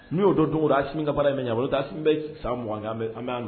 N' y'o donda sin ka baara bɛ ɲa bolo taa sin bɛ sanugan an